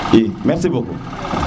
i merci beaucoup